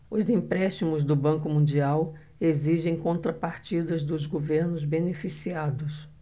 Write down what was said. os empréstimos do banco mundial exigem contrapartidas dos governos beneficiados